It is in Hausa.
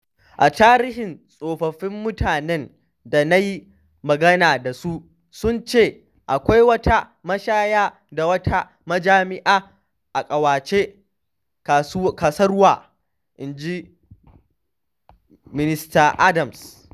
“A tarihi, tsofaffin mutanen da na yi magana da su sun ce akwai wata mashaya da wata majami’a a kowace kusurwa,” Inji Mista Adams.